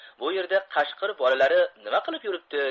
bu yerda qashqir bolalari nima qilib yuribdi